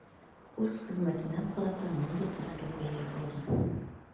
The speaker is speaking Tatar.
Үз хезмәтенә карата мондый кискен бәя алган.